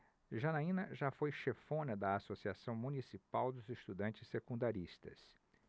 janaina foi chefona da ames associação municipal dos estudantes secundaristas